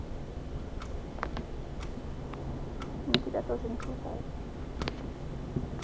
мне тебя тоже не хватает